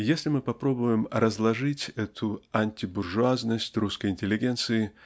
Если мы попробуем разложить эту "антибуржуазность" русской интеллигенции